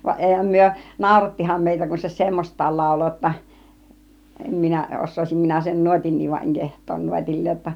vaan eihän me naurattihan meitä kun se semmoista lauloi jotta en minä osaisin minä sen nuotinkin vaan en kehtaa nuotilleen jotta